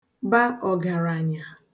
ba ọ̀gàrànyà